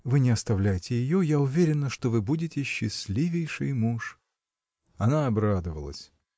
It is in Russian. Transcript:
Вы не оставляйте ее: я уверена, что вы будете счастливейший муж. Она обрадовалась.